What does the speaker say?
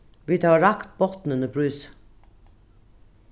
vit hava rakt botnin í prísi